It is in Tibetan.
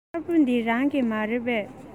དཀར པོ འདི རང གི མ རེད པས